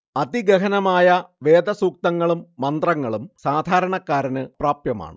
അതിഗഹനമായ വേദസുക്തങ്ങളും മന്ത്രങ്ങളും സാധാരണക്കാരന് അപ്രാപ്യമാണ്